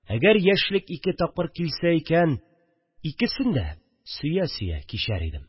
Әгәр яшьлек ике тапкыр килә икән, Икесен дә сөя-сөя кичәр идем